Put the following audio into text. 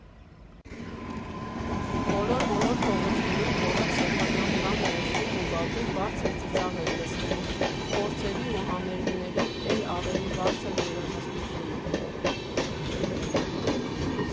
Ոլոր֊մոլոր փողոցներում կորած սեփական տան ներսում ու բակում բարձր ծիծաղ էր լսվում, փորձերի ու համերգների էլ ավելի բարձր երաժշտությունը։